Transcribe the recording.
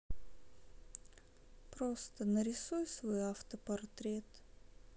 просто нарисуй свой автопортрет